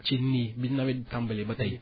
ci nii bi nawet bi tàmbalee ba tay